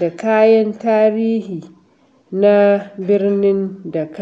da kayan tarihi na birnin Dhaka.